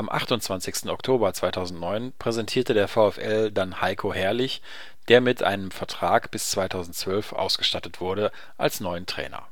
28. Oktober 2009 präsentierte der VfL dann Heiko Herrlich, der mit einem Vertrag bis 2012 ausgestattet wurde, als neuen Trainer